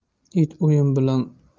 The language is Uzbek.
it o'yin bilan